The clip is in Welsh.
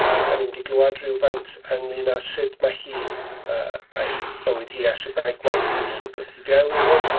A dan ni'n mynd i glywed rywfaint ynglyn â sut ma' hi, yy, a'i bywyd hi a sut mae'i gwaith hi sydd ddaeth hi fewn i hwn.